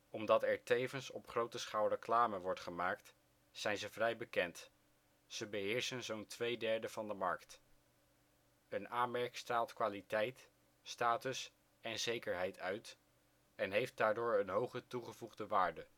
Omdat er tevens op grote schaal reclame voor wordt gemaakt, zijn ze vrij bekend: ze beheersen zo 'n 2/3 van de markt. Een A-merk straalt kwaliteit, status en zekerheid uit en heeft daardoor een hoge toegevoegde waarde